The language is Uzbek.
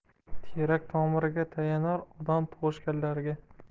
terak tomiriga tayanar odam tug'ishganlariga